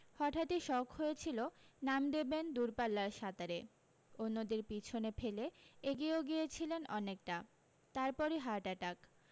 হঠাতি শখ হয়েছিলো নাম দেবেন দূরপাল্লার সাঁতারে অন্যদের পিছনে ফেলে এগিয়েও গিয়েছিলেন অনেকটা তারপরই হার্ট অ্যাটাক